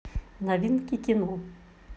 новинки кино